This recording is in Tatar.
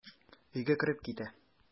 Өйгә кереп китә.